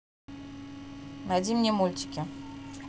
найди мне мультики